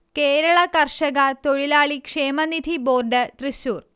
കേരള കർഷക തൊഴിലാളി ക്ഷേമനിധി ബോർഡ് തൃശ്ശൂർ